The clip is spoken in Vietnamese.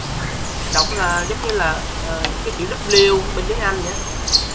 đọc là giống như là à cái chữ đắp liu bên tiếng anh vậy á